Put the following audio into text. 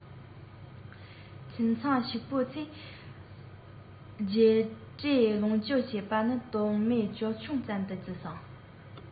ཁྱིམ ཚང ཕྱུག པོ ཚོས རྒྱས སྤྲོས ལོངས སྤྱོད བྱེད པ ནི དོན མེད ཅོལ ཆུང ཙམ དུ བརྩི ཞིང